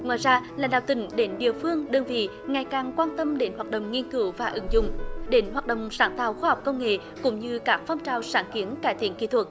ngoài ra lãnh đạo tỉnh đến địa phương đơn vị ngày càng quan tâm đến hoạt động nghiên cứu và ứng dụng để hoạt động sáng tạo khoa học công nghệ cũng như các phong trào sáng kiến cải thiện kỹ thuật